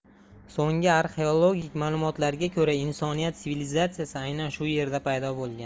so'nggi arxeologik malumotlarga ko'ra insoniyat sivilizatsiyasi aynan shu yerda paydo bo'lgan